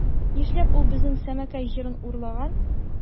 Нишләп ул безнең Сәмәкәй җырын урлаган?